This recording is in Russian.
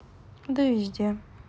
да везде